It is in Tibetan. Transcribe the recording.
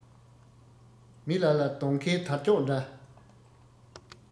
མི ལ ལ སྡོང ཁའི དར ལྕོག འདྲ